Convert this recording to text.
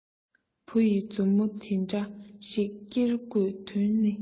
བུ ཡི མཛུབ མོ འདྲ ཞིག ཀེར དགོས དོན ནི